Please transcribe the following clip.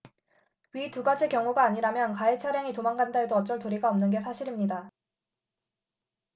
위 두 가지 경우가 아니라면 가해차량이 도망간다 해도 어쩔 도리가 없는 게 사실입니다